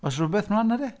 Oes rywbeth mlaen 'na de?